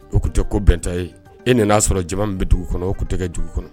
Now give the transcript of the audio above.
O tun tɛ ko bɛnta ye e nin y'a sɔrɔ jama bɛ dugu kɔnɔ o tun tɛgɛ dugu kɔnɔ